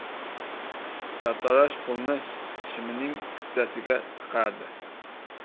sartarosh pulni shimining kissasiga tiqardi